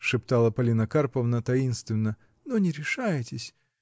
— шептала Полина Карповна таинственно, — но не решаетесь.